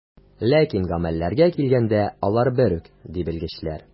Ләкин гамәлләргә килгәндә, алар бер үк, ди белгечләр.